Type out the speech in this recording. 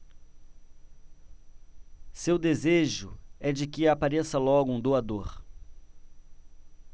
seu desejo é de que apareça logo um doador